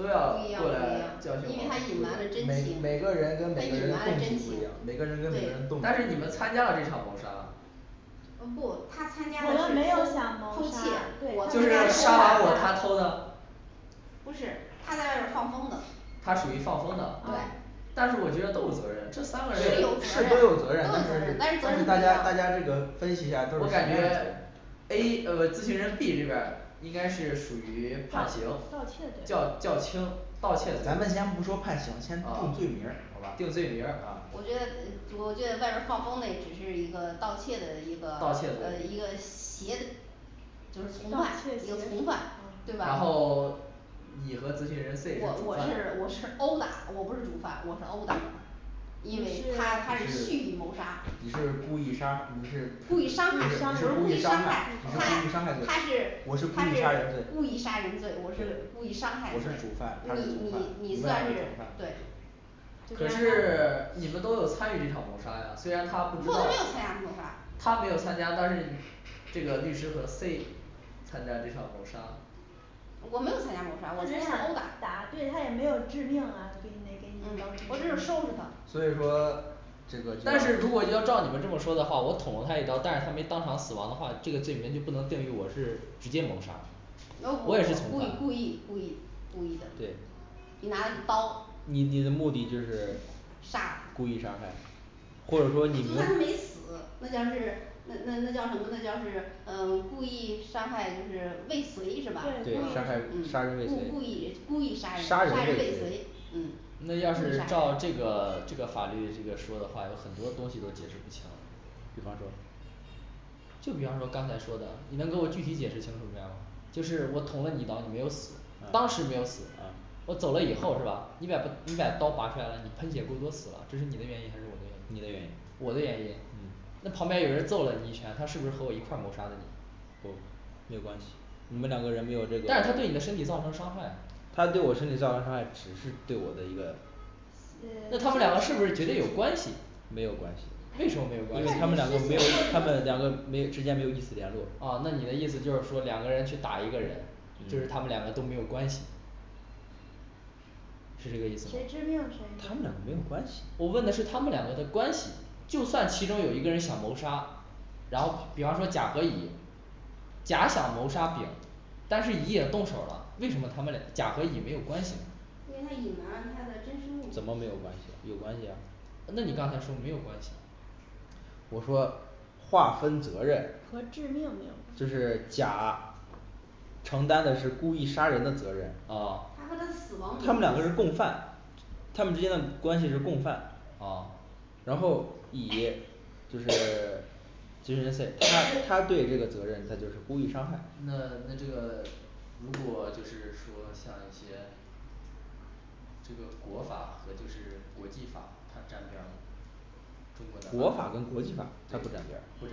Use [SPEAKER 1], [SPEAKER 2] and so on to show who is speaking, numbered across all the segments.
[SPEAKER 1] 不一样
[SPEAKER 2] 要
[SPEAKER 1] 不一
[SPEAKER 3] 对
[SPEAKER 1] 样
[SPEAKER 2] 对，
[SPEAKER 1] 因为他隐瞒了真
[SPEAKER 2] 每
[SPEAKER 1] 情，
[SPEAKER 2] 每个人跟
[SPEAKER 1] 他
[SPEAKER 2] 每
[SPEAKER 1] 隐
[SPEAKER 2] 个
[SPEAKER 1] 瞒
[SPEAKER 2] 人
[SPEAKER 1] 了
[SPEAKER 2] 动机
[SPEAKER 1] 真
[SPEAKER 2] 不
[SPEAKER 1] 情
[SPEAKER 2] 一样，每个人跟每个人
[SPEAKER 1] 对
[SPEAKER 2] 动机
[SPEAKER 4] 但是你们参加了这场谋杀，
[SPEAKER 1] 呃不，他参加
[SPEAKER 5] 我们没有想
[SPEAKER 1] 完，
[SPEAKER 5] 谋
[SPEAKER 1] 偷
[SPEAKER 5] 杀
[SPEAKER 1] 窃，对
[SPEAKER 4] 就是杀完我他偷的
[SPEAKER 1] 不是他在外面放风的
[SPEAKER 4] 他属于放风的，
[SPEAKER 1] 对。
[SPEAKER 5] 啊
[SPEAKER 4] 但是我觉得都有责任，这三个
[SPEAKER 1] 是有
[SPEAKER 4] 都
[SPEAKER 1] 责
[SPEAKER 4] 是
[SPEAKER 2] 是
[SPEAKER 1] 任都
[SPEAKER 2] 都
[SPEAKER 1] 有
[SPEAKER 2] 有，
[SPEAKER 1] 责
[SPEAKER 2] 责
[SPEAKER 1] 任
[SPEAKER 2] 任但是但是大家大家这个分析一下都是
[SPEAKER 4] 我感觉 A呃不是咨询人B这边儿应该是属于
[SPEAKER 5] 盗
[SPEAKER 4] 判刑
[SPEAKER 5] 盗窃罪
[SPEAKER 4] 较较轻盗窃罪，
[SPEAKER 2] 咱们先不说判刑先
[SPEAKER 4] 啊
[SPEAKER 2] 定罪名儿好吧？
[SPEAKER 4] 定罪名儿啊
[SPEAKER 1] 我觉得呃我觉得外边儿放风的也只是一个盗窃的一个
[SPEAKER 4] 盗窃
[SPEAKER 1] 呃一
[SPEAKER 4] 罪
[SPEAKER 1] 个协的，就是
[SPEAKER 5] 盗
[SPEAKER 1] 从犯一个从
[SPEAKER 5] 窃
[SPEAKER 1] 犯对
[SPEAKER 4] 然
[SPEAKER 1] 吧？
[SPEAKER 4] 后 你和咨询人C 是
[SPEAKER 1] 我
[SPEAKER 4] 主
[SPEAKER 1] 我
[SPEAKER 4] 犯
[SPEAKER 1] 是我是殴打，我不是主犯，我是殴打，
[SPEAKER 5] 你
[SPEAKER 1] 因为
[SPEAKER 5] 是，
[SPEAKER 1] 他他也是蓄意谋杀，
[SPEAKER 2] 你是你是故意杀，你是对，你是
[SPEAKER 1] 故
[SPEAKER 2] 故
[SPEAKER 1] 意
[SPEAKER 2] 意
[SPEAKER 5] 故意伤
[SPEAKER 1] 伤
[SPEAKER 2] 伤害
[SPEAKER 1] 害，
[SPEAKER 5] 害，
[SPEAKER 1] 我
[SPEAKER 2] 你
[SPEAKER 1] 是
[SPEAKER 2] 是
[SPEAKER 1] 故
[SPEAKER 2] 故
[SPEAKER 5] 对
[SPEAKER 1] 意
[SPEAKER 2] 意
[SPEAKER 1] 伤害，他
[SPEAKER 2] 伤害
[SPEAKER 1] 他是，他
[SPEAKER 2] 别人
[SPEAKER 1] 是，
[SPEAKER 2] 我是故
[SPEAKER 1] 故
[SPEAKER 2] 意
[SPEAKER 1] 意杀
[SPEAKER 2] 杀
[SPEAKER 1] 人
[SPEAKER 2] 人
[SPEAKER 1] 罪
[SPEAKER 2] 罪，我是主犯，他是从犯，我算是主犯，我
[SPEAKER 1] 你你
[SPEAKER 2] 是故
[SPEAKER 1] 你
[SPEAKER 2] 意伤
[SPEAKER 1] 算
[SPEAKER 2] 害
[SPEAKER 1] 是，
[SPEAKER 2] 罪
[SPEAKER 1] 对就
[SPEAKER 4] 可
[SPEAKER 1] 这样不
[SPEAKER 4] 是你们都有参与这场谋杀呀，虽然他
[SPEAKER 1] 他
[SPEAKER 4] 不，他
[SPEAKER 1] 没有参加谋杀
[SPEAKER 4] 没有参加，但是这个律师和C参加这场谋杀，
[SPEAKER 1] 我没有参加谋杀，我参加了欧打，
[SPEAKER 5] 打对他也没有致命啊给那
[SPEAKER 1] 嗯
[SPEAKER 5] 给什么
[SPEAKER 1] 我，就是收拾他，
[SPEAKER 2] 所以说这个就
[SPEAKER 4] 但是如果你要照你们这么说的话，我捅了他一刀，但是他没当场死亡的话，这个罪名就不能定义我是直接谋杀。
[SPEAKER 1] 那
[SPEAKER 4] 我
[SPEAKER 1] 我
[SPEAKER 4] 也
[SPEAKER 1] 也
[SPEAKER 4] 是
[SPEAKER 1] 是故意故意故意，故意的
[SPEAKER 2] 对
[SPEAKER 1] 你拿着刀
[SPEAKER 2] 你你的目的就是
[SPEAKER 1] 杀，
[SPEAKER 2] 故意杀害，或者说
[SPEAKER 1] 就
[SPEAKER 2] 你
[SPEAKER 1] 算
[SPEAKER 2] 没
[SPEAKER 1] 没死，那叫是那那那叫什么那叫是呃 故意伤害就是未遂
[SPEAKER 5] 对
[SPEAKER 1] 是吧？嗯
[SPEAKER 2] 对杀害
[SPEAKER 5] 故意
[SPEAKER 2] 杀人未
[SPEAKER 1] 故
[SPEAKER 2] 遂
[SPEAKER 1] 故意故意杀人啥
[SPEAKER 2] 杀人
[SPEAKER 1] 人
[SPEAKER 2] 未
[SPEAKER 1] 未
[SPEAKER 2] 遂，
[SPEAKER 1] 遂嗯。
[SPEAKER 4] 那
[SPEAKER 1] 故意杀
[SPEAKER 4] 要是
[SPEAKER 1] 人
[SPEAKER 4] 到这个这个法律这个说的话，有很多东西都解释不清，
[SPEAKER 2] 比方说
[SPEAKER 4] 就比方说刚才说的，你能给我具体解释清楚明白吗，就是我捅了你没有死，当时没
[SPEAKER 2] 嗯
[SPEAKER 4] 有死，
[SPEAKER 2] 嗯
[SPEAKER 4] 我走了以后是吧，你把你把刀拔出来了，你喷血过多死了，这是你的原因还是我的原
[SPEAKER 2] 你的原
[SPEAKER 4] 因
[SPEAKER 2] 因？
[SPEAKER 4] 我的原因。
[SPEAKER 2] 嗯
[SPEAKER 4] 那旁边有人揍了你一拳，他是不是和我一块儿谋杀的
[SPEAKER 2] 不没
[SPEAKER 4] 你
[SPEAKER 2] 有？关系，你们两个人没有这个，
[SPEAKER 4] 但是他对你的身体造成伤害，
[SPEAKER 2] 他对我身体造成伤害，只是对我的一个，
[SPEAKER 4] 那
[SPEAKER 5] 对
[SPEAKER 4] 他们两个是不是 绝对有关系？
[SPEAKER 2] 没有关系。
[SPEAKER 4] 为什么没有
[SPEAKER 5] 看
[SPEAKER 4] 关
[SPEAKER 2] 因为他们两
[SPEAKER 4] 系？
[SPEAKER 2] 个
[SPEAKER 5] 你是
[SPEAKER 2] 没有他们两个没之间没有一丝联络
[SPEAKER 4] 哦那你的意思，就是说两个人去打一个人，就是他们
[SPEAKER 2] 嗯
[SPEAKER 4] 两个都没有关系是这个意思吧
[SPEAKER 5] 谁致命谁
[SPEAKER 2] 他们两个没有关系，
[SPEAKER 4] 我问的是他们两个的关系，就算其中有一个人想谋杀，然后比方说甲和乙甲想谋杀丙，但是乙也动手儿了，为什么他们甲和乙没有关系？
[SPEAKER 1] 因为他隐瞒了他的真实目的
[SPEAKER 2] 怎么没有关系？有关系啊。
[SPEAKER 4] 那你刚才说没有关系，
[SPEAKER 2] 我说划分责任
[SPEAKER 5] 和致命没有
[SPEAKER 2] 就
[SPEAKER 5] 关系
[SPEAKER 2] 是甲承担的是故意杀人的责任，
[SPEAKER 4] 哦
[SPEAKER 1] 他和他死亡没有
[SPEAKER 2] 他们。两个是共犯，他们之间的关系是共犯
[SPEAKER 4] 哦。
[SPEAKER 2] 然后乙就是 他他对这个责任他就是故意伤害。
[SPEAKER 4] 那那这个如果就是说像一些，这个国法和就是国际法它沾边儿吗
[SPEAKER 2] 国法跟国际法它
[SPEAKER 4] 对不
[SPEAKER 2] 不
[SPEAKER 4] 沾
[SPEAKER 2] 沾
[SPEAKER 4] 边
[SPEAKER 2] 边儿
[SPEAKER 4] 儿是吗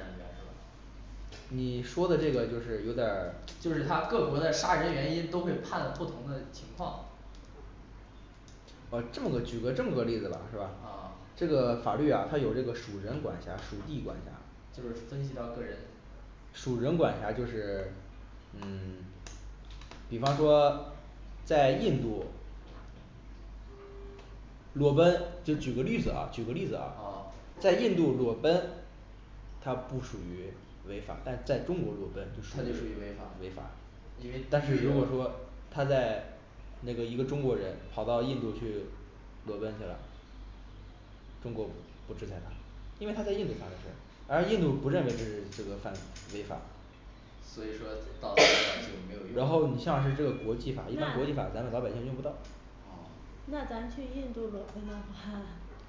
[SPEAKER 2] 你说的这个就是有点儿
[SPEAKER 4] 就是它各国的杀人原因都会判不同的情况。
[SPEAKER 2] 呃这么个举这么个例子吧是吧
[SPEAKER 4] 呃？
[SPEAKER 2] 这个法律呀它有这个属人管辖，属地管辖，
[SPEAKER 4] 就是分析到个人，
[SPEAKER 2] 属人管辖就是嗯 比方说在印度裸奔，就举个例子啊，举个例子啊
[SPEAKER 4] 啊，
[SPEAKER 2] 在印度裸奔，它不属于违法，但在中国裸奔就属
[SPEAKER 4] 那就属于
[SPEAKER 2] 于
[SPEAKER 4] 违法，
[SPEAKER 2] 违法但是如果说他在那个一个中国人跑到印度去，裸奔去了。中国不制裁他，因为他在印度干的事儿，而印度不认为这是这个犯违法，
[SPEAKER 4] 所以说当时
[SPEAKER 2] 然后你像是这个国际法，一般国际
[SPEAKER 5] 那
[SPEAKER 2] 法咱们老百姓用不到。
[SPEAKER 5] 那咱去印度裸奔的话，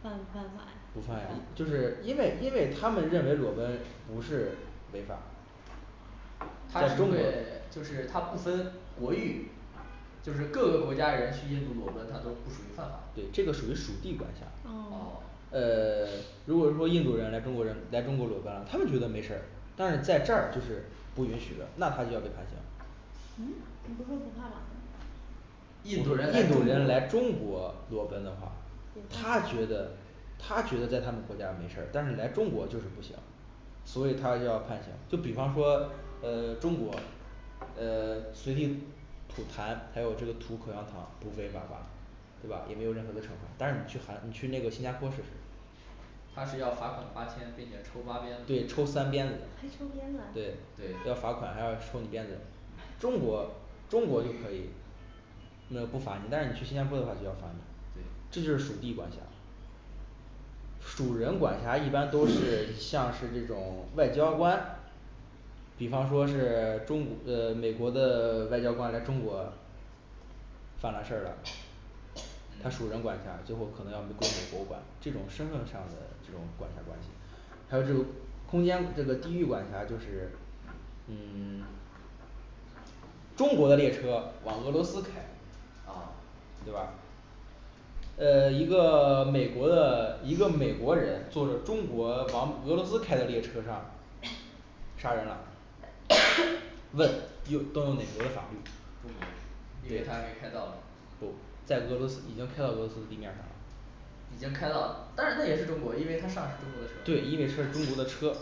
[SPEAKER 5] 犯不犯法呀
[SPEAKER 2] 不犯呀就是因为因为他们认为裸奔不是违法，
[SPEAKER 4] 他在中国就是他不分国域，就是各个国家人去印度，裸奔他都不属于犯法，
[SPEAKER 2] 对这个属于属地管辖
[SPEAKER 5] 哦
[SPEAKER 4] 哦
[SPEAKER 2] 呃 如果说印度人来中国人在中国裸奔了，他们觉得没事儿，但是在这儿就是不允许的，那他就要被判刑，
[SPEAKER 5] 嗯你不说不判吗？
[SPEAKER 4] 印度
[SPEAKER 2] 印度
[SPEAKER 4] 人
[SPEAKER 2] 人
[SPEAKER 4] 来
[SPEAKER 2] 来
[SPEAKER 4] 中国
[SPEAKER 2] 中国裸奔的话，他觉得他觉得在他们国家没事儿，但是来中国就是不行。所以他要判刑，就比方说呃中国呃 随地吐痰，还有这个吐口香糖，不违法吧，对吧？也没有任何的惩罚，但是你去韩你去那个新加坡试试，
[SPEAKER 4] 他是要罚款八千，并且抽八鞭
[SPEAKER 2] 对抽三鞭子
[SPEAKER 5] 还抽鞭子啊，
[SPEAKER 2] 对对要罚款，还要抽你鞭子，中国中国就可以。没有不罚你，但是你去新加坡的话就要罚你，这
[SPEAKER 4] 对
[SPEAKER 2] 就是属地管辖属人管辖一般都是像是这种外交官，比方说是 中呃美国的 外交官来中国犯了事儿了，他属人管 辖，最后可能要给我们博物 馆这种身份上的这种管辖关系，还有这个空间这个地域管辖就是，嗯 中国的列车往俄罗斯开
[SPEAKER 4] 啊，
[SPEAKER 2] 对吧？嗯一个 美国的一个美国人坐着中国往俄罗斯开的列车上 杀人了，问用动用哪国的法律，
[SPEAKER 4] 以为它还没开到
[SPEAKER 2] 不在俄罗斯已经开到俄罗斯的地面儿上了。
[SPEAKER 4] 已经开到了，但是那也是中国，因为他上的是中国的车，
[SPEAKER 2] 对，因为车是中国的车，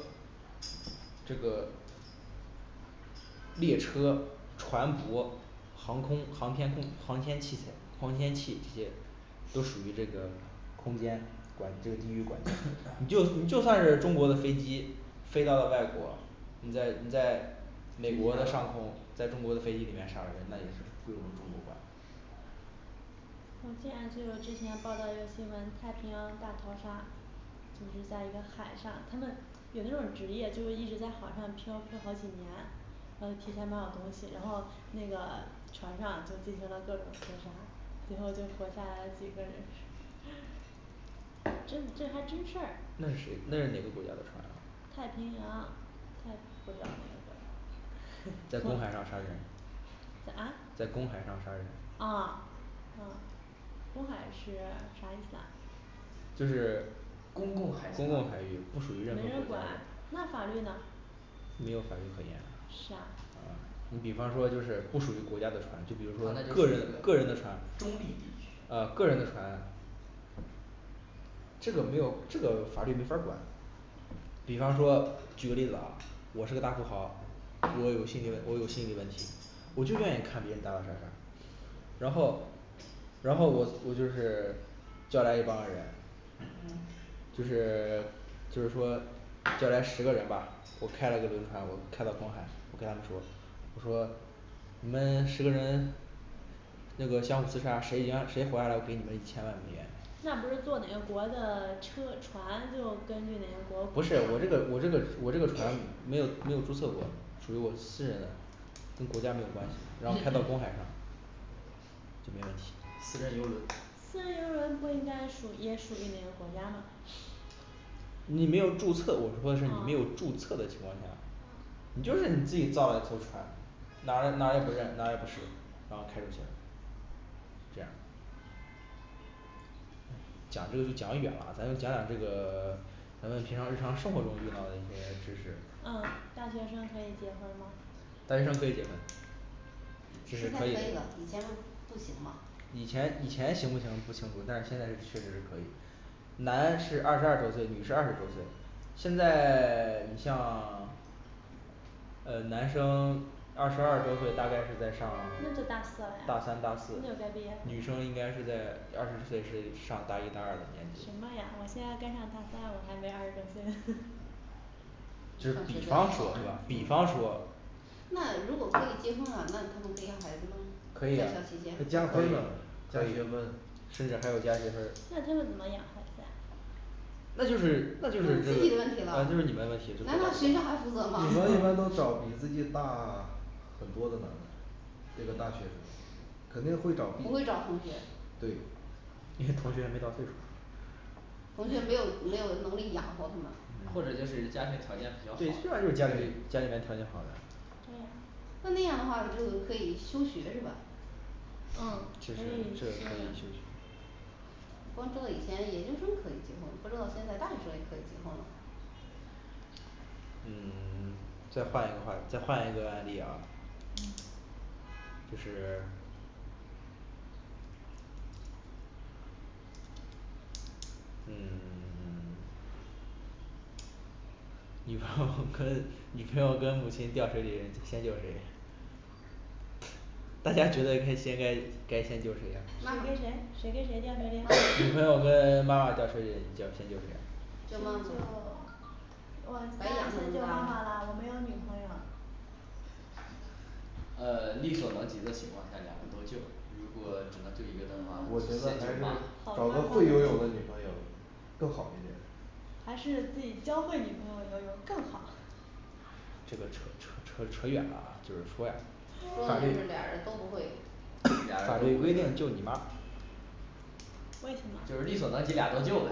[SPEAKER 2] 这个列车、船舶、航空、航天空航天器、航天器这些都属于这个空间管这个地域管辖，& &你就就算是中国的飞机飞到了外国，你在你在美国的上空，在中国的飞机里面杀了人，那也是归我们中国管。
[SPEAKER 5] 我见就有之前报道一个新闻，太平洋大逃杀，就是在一个海上，他们有的这种职业就是一直在海上漂漂好几年，都提前买好东西，然后那个船上就进行了各种宣传，最后就活下来几个人， 真这还真事儿
[SPEAKER 2] 那是谁那是哪个国家的船？
[SPEAKER 5] 太平洋。太平不知道哪个国家，
[SPEAKER 2] 在公海上杀人，
[SPEAKER 5] 啊
[SPEAKER 2] 在公海上杀人。
[SPEAKER 5] 啊 啊公海是啥意思啊？
[SPEAKER 2] 就是公共海
[SPEAKER 4] 公共海
[SPEAKER 2] 域
[SPEAKER 4] 域
[SPEAKER 2] 不属于
[SPEAKER 5] 没
[SPEAKER 2] 任何国
[SPEAKER 5] 人管
[SPEAKER 2] 家管，，
[SPEAKER 5] 那法律呢？
[SPEAKER 2] 没有法律可言，
[SPEAKER 5] 是啊
[SPEAKER 2] 呃你比方说就是不属于国家的船，就比如说
[SPEAKER 4] 那
[SPEAKER 2] 个
[SPEAKER 4] 就
[SPEAKER 2] 人个人的船
[SPEAKER 4] 中立地，区
[SPEAKER 2] 呃个人的船这个没有这个法律没法儿管。比方说举个例子啊，我是个大富豪，我有心理我有心理问题，我就愿意看别人打打杀杀。然后然后我我就是叫来一帮人，&嗯&就是 就是说再来十个人吧，我开了一个轮船，我开到公海我跟他们说，我说你们十个人，那个相互自杀谁赢谁活下来，我给你们一千万美元
[SPEAKER 5] 那不是坐哪个国的车船，就根据哪个国
[SPEAKER 2] 不是我这个我这个我这个船没有没有注册过，属于我私人的跟国家没有关系，然后开到公海上就没问题，私人游轮。
[SPEAKER 5] 私人游轮不应该属于也属于哪个国家吗？
[SPEAKER 2] 你没有注册过，我说的是你没有
[SPEAKER 5] 哦
[SPEAKER 2] 注册的情况下
[SPEAKER 5] 哦，
[SPEAKER 2] 你就是你自己造了一艘船，哪儿也哪儿也不认哪儿也不是，然后开出去了。这样儿讲就给讲远了，咱就讲讲这个 咱们平常日常生活中遇到的一些知识。
[SPEAKER 5] 呃大学生可以结婚吗？
[SPEAKER 2] 大学生可以结婚。这是
[SPEAKER 1] 现在可
[SPEAKER 2] 可
[SPEAKER 1] 以
[SPEAKER 2] 以了
[SPEAKER 1] 了，以前都不行吗？
[SPEAKER 2] 以前以前行不行不清楚，但是现在确实是可以。男是二十二周岁，女是二十周岁。现在 你像 呃男生二十二周岁大概是在上
[SPEAKER 5] 那就大四了
[SPEAKER 2] 大
[SPEAKER 5] 呀
[SPEAKER 2] 三大四，
[SPEAKER 5] 那就该毕业了，，
[SPEAKER 2] 女生应该是在二十岁是上大一大二的年纪
[SPEAKER 5] 什么呀我现在该上大三了我还没二十周岁。
[SPEAKER 2] 就是比方说是吧比方说
[SPEAKER 1] 那如果可以结婚了，那他们可以要孩子吗？
[SPEAKER 2] 可以啊
[SPEAKER 1] 在校期间，
[SPEAKER 4] 加
[SPEAKER 2] 可
[SPEAKER 4] 分的，加
[SPEAKER 2] 以
[SPEAKER 4] 学分
[SPEAKER 2] 甚至还有加学分
[SPEAKER 5] 那他们怎么养孩子啊
[SPEAKER 2] 那就是那就是嗯就是
[SPEAKER 1] 自
[SPEAKER 2] 你
[SPEAKER 1] 己的问题了
[SPEAKER 2] 们问题，
[SPEAKER 1] 难道
[SPEAKER 2] 了
[SPEAKER 1] 学校还负责吗
[SPEAKER 3] 女生一般都找比自己大很多的吧一个大学，肯定会
[SPEAKER 1] 不会
[SPEAKER 3] 找
[SPEAKER 1] 找同学
[SPEAKER 3] 对
[SPEAKER 2] 因为同学还没到岁数儿，
[SPEAKER 1] 同学没有没有能力养活他们，
[SPEAKER 4] 或者就
[SPEAKER 2] 嗯
[SPEAKER 4] 是家庭条件
[SPEAKER 2] 对就是
[SPEAKER 4] 比较好
[SPEAKER 2] 要家里家里面条件好的，
[SPEAKER 5] 哎呀
[SPEAKER 1] 那样的话不就可以休学是吧？
[SPEAKER 5] 嗯可
[SPEAKER 2] 确实
[SPEAKER 5] 以是
[SPEAKER 2] 这个
[SPEAKER 5] 这
[SPEAKER 2] 可以
[SPEAKER 5] 样
[SPEAKER 2] 休学
[SPEAKER 1] 光知道以前研究生可以结婚，不知道现在大学生也可以结婚了。
[SPEAKER 2] 嗯 再换一个话题再换一个案例啊，
[SPEAKER 5] 嗯
[SPEAKER 2] 就是嗯 女朋友 跟女朋友跟母亲掉水里先救谁？大家觉得应该该先救谁呀
[SPEAKER 5] 谁
[SPEAKER 1] 妈妈
[SPEAKER 5] 跟谁谁跟谁掉水里了，
[SPEAKER 2] 女朋友跟妈妈掉水里你救先救谁呀
[SPEAKER 5] 先
[SPEAKER 1] 救妈妈
[SPEAKER 5] 救我
[SPEAKER 1] 白
[SPEAKER 5] 当然
[SPEAKER 1] 养她
[SPEAKER 5] 先
[SPEAKER 1] 们
[SPEAKER 5] 救
[SPEAKER 1] 这么
[SPEAKER 5] 妈妈
[SPEAKER 1] 大
[SPEAKER 5] 了
[SPEAKER 1] 了，
[SPEAKER 5] 我没有女朋友，
[SPEAKER 4] 呃力所能及的情况下两个都救，如果只能救一个人的话，
[SPEAKER 3] 我觉得还是
[SPEAKER 2] 好
[SPEAKER 3] 找
[SPEAKER 2] 多
[SPEAKER 3] 个
[SPEAKER 2] 方法
[SPEAKER 3] 会游泳的女朋友更方便
[SPEAKER 5] 还是自己教会女朋友游泳更好？
[SPEAKER 2] 这个扯扯扯扯远了啊，就是说呀
[SPEAKER 1] 说的这俩人儿都不会
[SPEAKER 2] &&。法律
[SPEAKER 4] 俩人
[SPEAKER 2] 法律
[SPEAKER 4] 儿
[SPEAKER 2] 规定救你妈
[SPEAKER 5] 为什么？
[SPEAKER 4] 就是力所能及俩都救呗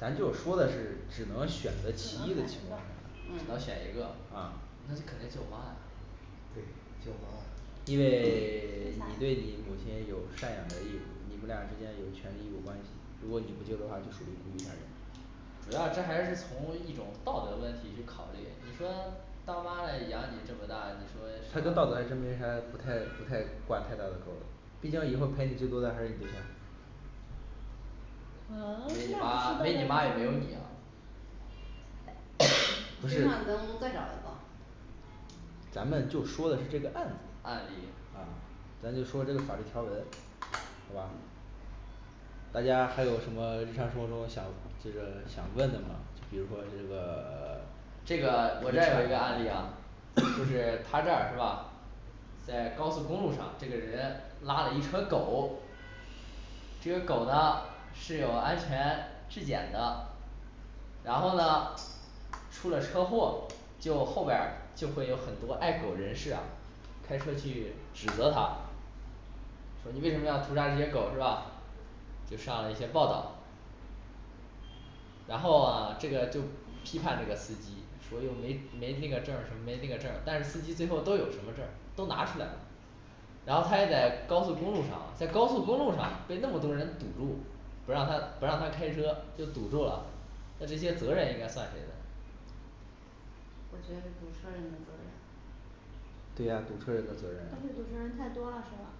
[SPEAKER 2] 咱就说的是只能选择其一的情况下
[SPEAKER 4] 只能
[SPEAKER 1] 嗯
[SPEAKER 4] 选一个
[SPEAKER 2] 嗯，
[SPEAKER 4] 那肯定救妈呀
[SPEAKER 3] 救妈
[SPEAKER 2] 因为 你
[SPEAKER 5] 为
[SPEAKER 2] 对
[SPEAKER 5] 啥
[SPEAKER 2] 你母亲有赡养的义务，你们俩之间有权力义务关系，如果你不救的话就属于故意杀人
[SPEAKER 4] 主要这还是从一种道德问题去考虑，你说当妈来养你这么大，你说
[SPEAKER 2] 它跟道德还真没啥不太不太挂太大的沟儿，毕竟以后陪你最多的还是你对象，
[SPEAKER 5] 嗯
[SPEAKER 4] 没你妈没你妈也没有你啊。
[SPEAKER 2] 不
[SPEAKER 1] 对象
[SPEAKER 2] 是
[SPEAKER 1] 咱们再找一个
[SPEAKER 2] 咱们就说的是这个案子，
[SPEAKER 4] 案
[SPEAKER 2] 啊
[SPEAKER 4] 例
[SPEAKER 2] 咱就说这个法律条文，好吧？大家还有什么日常生活中想就是想问的吗？比如说这个
[SPEAKER 4] 这个我这儿有一个案例啊，就是他这儿是吧？在高速公路上这个人拉了一车狗，这个狗呢是有安全质检的，然后呢出了车祸，就后边儿就会有很多爱狗人士啊开车去指责他，说你为什么要屠杀这些狗是吧？就上了一些报道，然后啊这个就批判这个司机说又没没那个证儿，说没那个证儿但是司机最后都有什么证儿都拿出来了。然后他也在高速公路上在高速公路上被那么多人堵路，不让他不让他开车就堵住了，那这些责任应该算谁的？
[SPEAKER 1] 我觉得是堵车人的责任。
[SPEAKER 2] 对啊堵车人的责任。
[SPEAKER 5] 但是堵车人太多了是吧？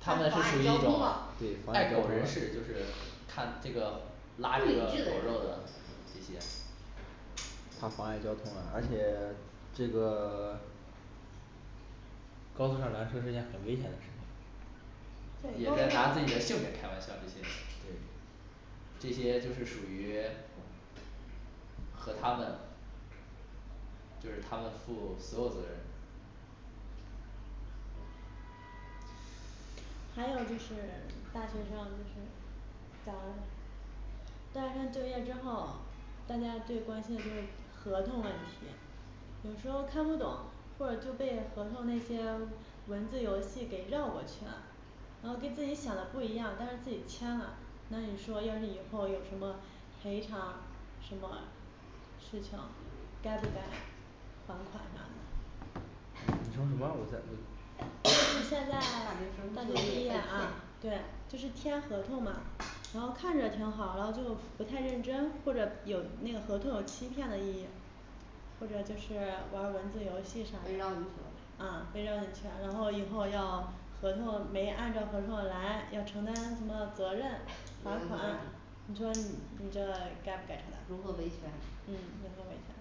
[SPEAKER 1] 他妨碍交通了
[SPEAKER 2] 对妨碍
[SPEAKER 4] 爱
[SPEAKER 2] 交
[SPEAKER 4] 狗
[SPEAKER 2] 通
[SPEAKER 4] 人
[SPEAKER 2] 了
[SPEAKER 4] 士就是看那个拉
[SPEAKER 1] 不
[SPEAKER 4] 这
[SPEAKER 1] 理
[SPEAKER 4] 个
[SPEAKER 1] 智的
[SPEAKER 4] 狗
[SPEAKER 1] 人
[SPEAKER 4] 肉的这些
[SPEAKER 2] 他妨碍交通了，而且这个 高速上拦车是一件很危险的事情，
[SPEAKER 4] 也在
[SPEAKER 5] 在
[SPEAKER 4] 拿
[SPEAKER 5] 高速上
[SPEAKER 4] 自己的性命开玩笑，这些人
[SPEAKER 2] 对
[SPEAKER 4] 这些就是属于和他们就是他们负所有责任。
[SPEAKER 5] 还有就是大学生就是讲完。大学生就业之后，大家最关心的就是合同问题，有时候看不懂，或者就被合同那些文字游戏给绕过去了，然后给自己想的不一样，但是自己签了，那你说要是以后有什么赔偿，什么事情该不该？板块拿上
[SPEAKER 2] 你
[SPEAKER 5] 来，
[SPEAKER 2] 说什么我在我
[SPEAKER 5] 就是现在
[SPEAKER 1] 怕
[SPEAKER 5] 的经
[SPEAKER 1] 被
[SPEAKER 5] 验啊
[SPEAKER 1] 骗
[SPEAKER 5] 对就是签合同嘛，然后看着挺好，然后就不太认真，或者有那个合同有欺骗的意义或者就是玩儿文字游戏啥的
[SPEAKER 1] 被绕进去了
[SPEAKER 5] 啊被绕进去了，然后以后要合同，没按照合同的来要承担什么责任罚款。你说你你的该不该承担？
[SPEAKER 1] 如何维权？
[SPEAKER 5] 嗯如何维权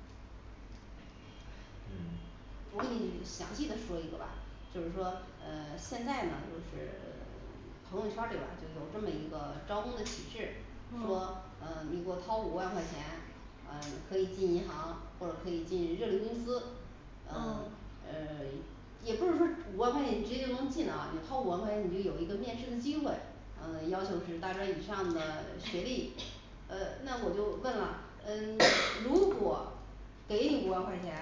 [SPEAKER 2] 嗯
[SPEAKER 1] 我给你详细的说一个吧，就是说嗯现在呢就是 朋友圈儿里吧就有这么一个招工的启示，
[SPEAKER 5] 嗯
[SPEAKER 1] 说嗯你给我掏五万块钱，呃可以进银行或者可以进热力公司，嗯
[SPEAKER 5] 嗯
[SPEAKER 1] 呃也不是说五万块钱你直接就能进啊，你掏五万块钱你就有一个面试的机会，嗯要求是大专以上的学历 呃那我就问了，嗯 如果给五万块钱，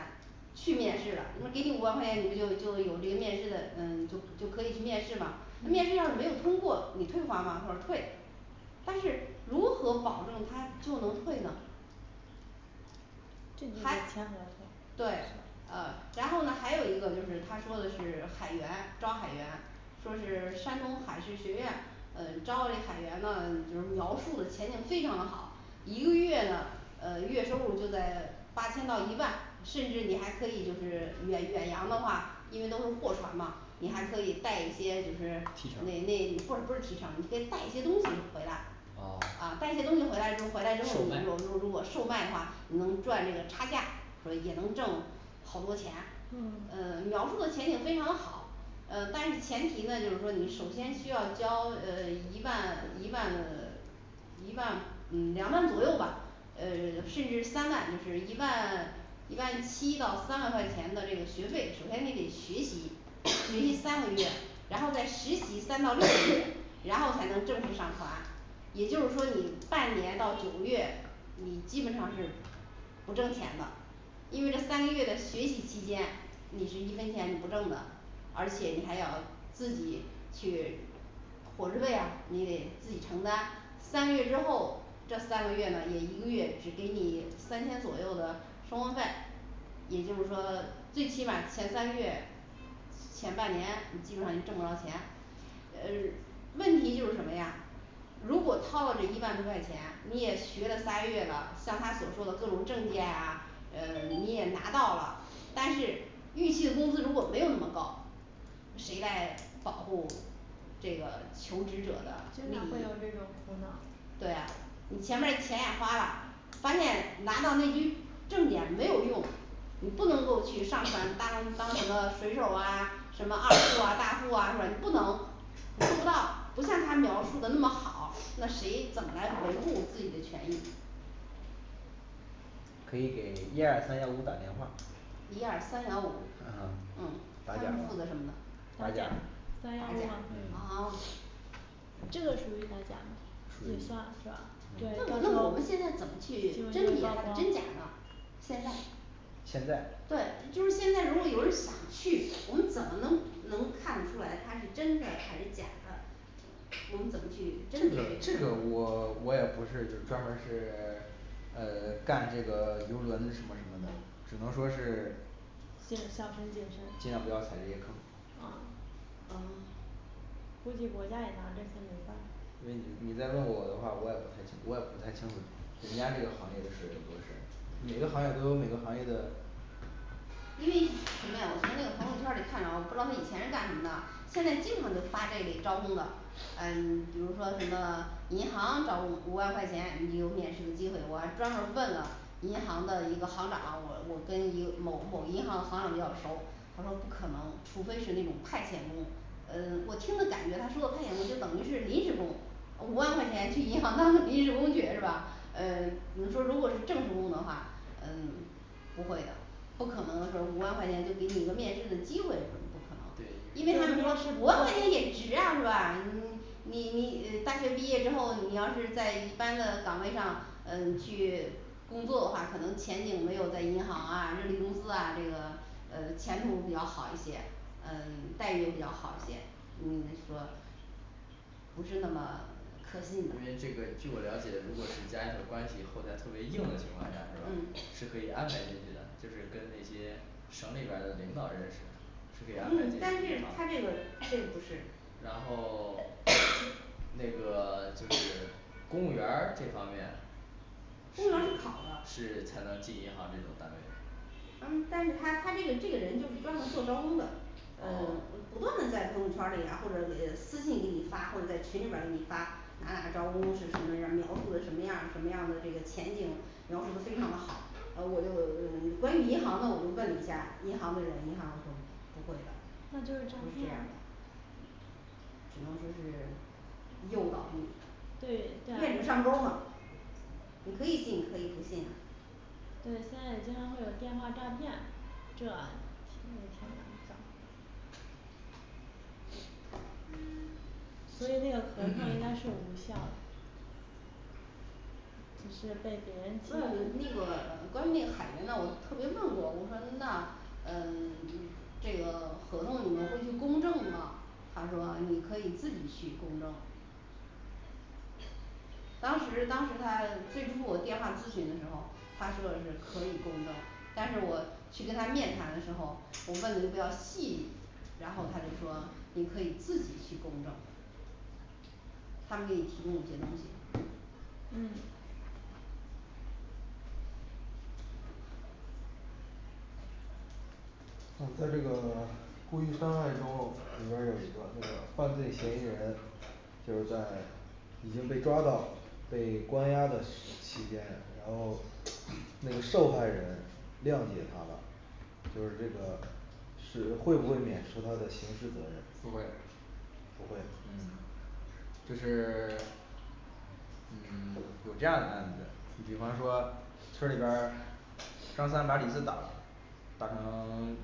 [SPEAKER 1] 去面试了，你说给你五万块钱，你不就就有这个面试的嗯，就就可以去面试嘛，那面试要是没有
[SPEAKER 5] 嗯
[SPEAKER 1] 通过你退还吗他说退，但是如何保证他就能退呢？
[SPEAKER 5] 这必须
[SPEAKER 1] 还
[SPEAKER 5] 签合同。
[SPEAKER 1] 对，呃然后呢还有一个，就是他说的是海员招海员，说是山东海事学院，呃招了一海员呢就是描述的前景非常的好，一个月呢呃月收入就在八千到一万，甚至你还可以就是远远洋的话，因为都是货船嘛，你还可以带一些就是
[SPEAKER 2] 提
[SPEAKER 1] 那那
[SPEAKER 2] 成
[SPEAKER 1] 不不是提成，你可以带一些东西，回来
[SPEAKER 4] 哦
[SPEAKER 1] 啊带一些东西回来之回来之后，
[SPEAKER 4] 售
[SPEAKER 1] 我
[SPEAKER 4] 卖
[SPEAKER 1] 们就如如果售卖的话，你能赚这个差价，说也能挣好多钱，
[SPEAKER 5] 嗯
[SPEAKER 1] 嗯描述的前景非常的好，呃但是前提呢就是说你首先需要交呃一万一万， 一万嗯两万左右吧呃甚至三万就是一万一万七到三万块钱的这个学费，首先你得学习培训三个月，然后再实习三到六个月，然后才能正式上课啊也就是说你半年到九个月，你基本上是不挣钱的。因为这三个月的学习期间你是一分钱你不挣的，而且你还要自己去伙食费呀，你得自己承担，三个月之后这三个月呢也一个月只给你三千左右的生活费，也就是说最起码前三个月，前半年你基本上你挣不着钱，呃问题就是什么呀？如果掏了这一万多块钱，你也学了仨月了，像他所说的各种证件啊呃你也拿到了，但是预期的工资如果没有那么高，谁来保护这个求职者的利
[SPEAKER 5] 经常会
[SPEAKER 1] 益
[SPEAKER 5] 有这种苦恼，，
[SPEAKER 1] 对呀，你前边儿钱也花了，发现拿到那堆证件没有用，你不能够去上传当当什么水手儿啊，什么二副啊大副啊是吧？你不能做不到，不像他描述的那么好，那谁怎么来维护自己的权益，
[SPEAKER 2] 可以给一二三幺五打电话，打假嗯
[SPEAKER 1] 一二三幺五，
[SPEAKER 2] 嗯
[SPEAKER 1] 嗯他
[SPEAKER 2] 打假
[SPEAKER 1] 们负责什么呢？啊
[SPEAKER 5] 打
[SPEAKER 2] 打
[SPEAKER 5] 假
[SPEAKER 2] 假，
[SPEAKER 5] 三一五晚会
[SPEAKER 2] 打假
[SPEAKER 5] 这个属于打假吗
[SPEAKER 2] 属于
[SPEAKER 5] 也算是吧
[SPEAKER 1] 那
[SPEAKER 2] 嗯
[SPEAKER 1] 我那我们现在怎么去甄别它的真假呢？现在
[SPEAKER 2] 现在
[SPEAKER 1] 对，就是现在如果有人想去，我们怎么能能看得出来它是真的还是假的？我们怎么去
[SPEAKER 2] 这
[SPEAKER 1] 甄别
[SPEAKER 2] 个这
[SPEAKER 1] 这
[SPEAKER 2] 个
[SPEAKER 1] 个，
[SPEAKER 2] 我我也不是就是专门儿是 呃干这个游轮什么什么的，只能说是尽量不要踩这些坑，
[SPEAKER 5] 啊
[SPEAKER 1] 嗯
[SPEAKER 5] 估计国家也拿这个没办法。
[SPEAKER 2] 因为你你再问我的话，我也不太清楚我也不太清楚人家这个行业的水流的事儿，每个行业都有每个行业的，
[SPEAKER 1] 因为什么呀我从那个朋友圈儿里看着，不知道以前是干什么的啊，现在经常就发这类招工的，诶比如说什么银行找五万块钱你就有面试的机会，我还专门儿问了银行的一个行长，我我跟一某某银行行长比较熟，他说不可能，除非是那种派遣工，嗯我听的感觉他说的派遣工就等于是临时工，呃五万块钱去银行当个临时工去是吧？嗯比如说如果是正式工的话，嗯不会的，不可能说五万块钱就给你一个面试的机会是吧，不可能
[SPEAKER 5] 但是，
[SPEAKER 1] 因
[SPEAKER 2] 对
[SPEAKER 5] 面
[SPEAKER 1] 为他们
[SPEAKER 5] 试
[SPEAKER 1] 说
[SPEAKER 5] 不
[SPEAKER 1] 五
[SPEAKER 5] 过
[SPEAKER 1] 万
[SPEAKER 5] 他
[SPEAKER 1] 块钱也值啊是吧？你你你大学毕业之后，你要是在一般的岗位上嗯去 工作的话，可能前景没有在银行啊热力公司啊这个额前途比较好一些，嗯 待遇也比较好一些，嗯 说不是那么可信的
[SPEAKER 2] 因，为这个据我了解，如果是家里头关系后台特别硬的情况下是吧，是可
[SPEAKER 1] 嗯
[SPEAKER 2] 以安排进去的，就是跟那些省里边儿的领导认识，是可以安排进
[SPEAKER 1] 嗯但是
[SPEAKER 2] 去
[SPEAKER 1] 他这个并不是
[SPEAKER 2] 然后 那个就是公务员儿这方面
[SPEAKER 1] 公务员是考的
[SPEAKER 2] 是才能进银行这种单位，
[SPEAKER 1] 咱们但是他他这个这个人就是专门儿做招工的，嗯
[SPEAKER 2] 哦
[SPEAKER 1] 不断的在朋友圈儿里啊或者给私信给你发，或者在群里边儿给你发，哪哪招工是什么什么描述的什么样儿什么样儿的这个前景，描述的非常好，啊我就会嗯关于银行呢我们问了一下银行的人，银行的说不会的，不
[SPEAKER 5] 那
[SPEAKER 1] 是
[SPEAKER 5] 就是诈
[SPEAKER 1] 这
[SPEAKER 5] 骗
[SPEAKER 1] 样儿，只能说是诱导你
[SPEAKER 5] 对这样，
[SPEAKER 1] 愿者上钩儿
[SPEAKER 5] 儿
[SPEAKER 1] 嘛，你可以信可以不信？
[SPEAKER 5] 对，现在也经常会有电话诈骗这。现在也挺难找的。所以那个合同应该是无效。嗯是被别人欺
[SPEAKER 1] 不要的，那
[SPEAKER 5] 骗
[SPEAKER 1] 个关于那个海员呢我特别问过，我说那嗯 这个合同你们会去公证吗？他说你可以自己去公证。当时当时他最初我电话咨询的时候，他说的是可以公证，但是我去跟他面谈的时候，我问的比较细，然后他就说你可以自己去公证，他们给你提供一些东西，
[SPEAKER 5] 嗯
[SPEAKER 3] 啊在这个 故意伤害中 里边儿有一个这个犯罪嫌疑人就是在已经被抓到被关押的期间，然后那个受害人谅解他了就是这个是会不会免释他的刑事责任？
[SPEAKER 2] 不会。
[SPEAKER 3] 不会
[SPEAKER 2] 嗯就是 嗯有这样的案子，你比方说村儿里边儿张三把李四打了，打成